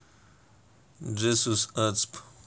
jesús acp